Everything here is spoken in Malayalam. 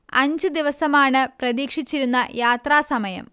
അഞ്ച് ദിവസമാണ് പ്രതീക്ഷിക്കുന്ന യാത്രാസമയം